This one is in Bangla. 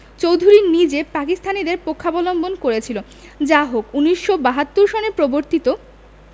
চৌধুরী নিজে পাকিস্তানীদের পক্ষাবলম্বন করেছিল যাহোক ১৯৭২ সনে প্রবর্তিত